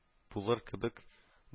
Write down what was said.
Булыр көбек